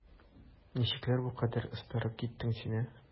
Ничекләр бу кадәр остарып киттең син, ә?